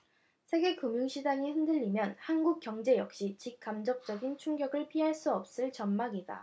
세계 금융시장이 흔들리면 한국 경제 역시 직간접적인 충격을 피할 수 없을 전망이다